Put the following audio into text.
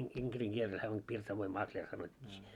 - inkerin kieltä hän on pirsavoin makleri sanottiin